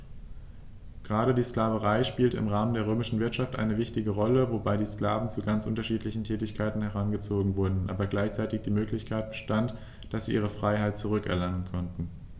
Gerade die Sklaverei spielte im Rahmen der römischen Wirtschaft eine wichtige Rolle, wobei die Sklaven zu ganz unterschiedlichen Tätigkeiten herangezogen wurden, aber gleichzeitig die Möglichkeit bestand, dass sie ihre Freiheit zurück erlangen konnten.